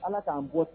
Ala k'an bɔ